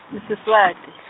i Siswati.